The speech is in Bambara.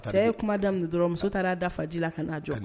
Cɛ ye kuma da dɔrɔnmuso taara'a dafaji la ka n'a jɔ